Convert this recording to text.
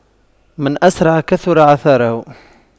من أسرع كثر عثاره